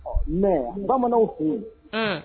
Ɔ mais bamananw fe ye ann